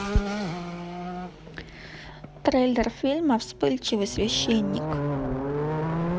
трейлер фильма вспыльчивый священник